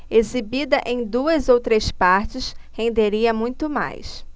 exibida em duas ou três partes renderia muito mais